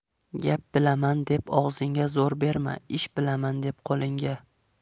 gap bilaman deb og'zingga zo'r berma ish bilaman deb qo'lingga